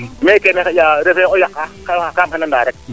me kene xaƴa refe o yaq kam xendana rek